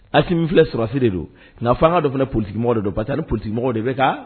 A min filɛ sɔrɔsi de don nka fɔ an dɔ fana polikimɔgɔ dɔ don pa taari polikimɔgɔ de bɛ kan